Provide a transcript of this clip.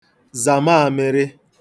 zà maāmị̄rị̄